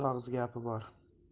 og'iz gapi bor